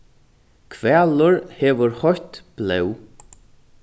hvalur hevur heitt blóð